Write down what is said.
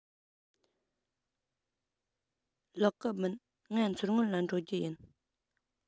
ལོག གི མིན ང མཚོ སྔོན ལ འགྲོ རྒྱུ ཡིན